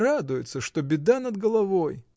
Радуется, что беда над головой!